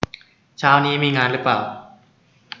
เช้านี้มีงานหรือเปล่า